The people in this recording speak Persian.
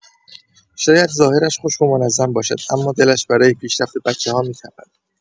شاید ظاهرش خشک و منظم باشد اما دلش برای پیشرفت بچه‌ها می‌تپد.